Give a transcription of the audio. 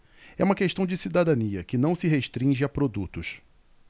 é uma questão de cidadania que não se restringe a produtos